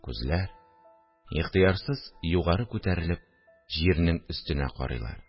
Күзләр, ихтыярсыз югары күтәрелеп, җирнең өстенә карыйлар